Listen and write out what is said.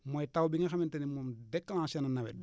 mooy taw bi nga xamante ni moom déclenché na nawet